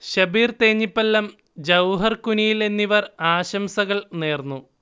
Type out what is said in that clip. ഷബീർ തേഞ്ഞിപ്പല്ലം, ജൌഹർ കുനിയിൽ എന്നിവർ ആശംസകൾ നേർന്നു